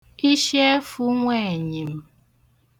ishiefū nweenyìm